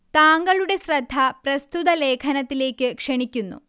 താങ്കളുടെ ശ്രദ്ധ പ്രസ്തുത ലേഖനത്തിലേക്ക് ക്ഷണിക്കുന്നു